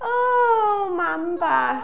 O mam bach!